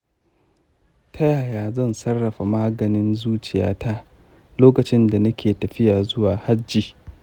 ta yaya zan sarrafa maganin zuciyata lokacin da nake tafiya zuwa hajji?